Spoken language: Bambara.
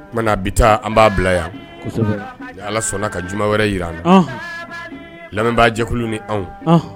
Oumana bɛ taa an b'a bila yansɔ ala sɔnna ka juma wɛrɛ jira an na lamɛnbaa jɛkulu ni anw